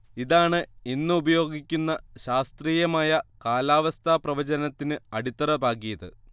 ഇതാണ് ഇന്ന് ഉപയോഗിക്കുന്ന ശാസ്ത്രീയമായ കാലാവസ്ഥാപ്രവചനത്തിന് അടിത്തറ പാകിയത്